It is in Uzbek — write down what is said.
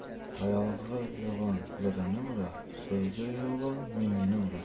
tayog'i yo'g'on birni urar so'zi yo'g'on mingni urar